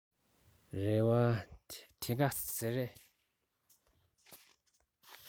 རེ བ ད ག ཟེ རེད